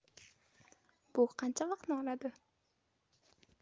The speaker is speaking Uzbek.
bu qancha vaqtni oladi